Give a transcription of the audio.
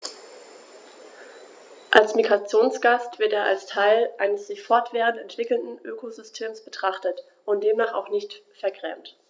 Als Migrationsgast wird er als Teil eines sich fortwährend entwickelnden Ökosystems betrachtet und demnach auch nicht vergrämt.